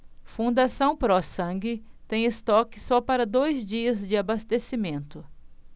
fundação pró sangue tem estoque só para dois dias de abastecimento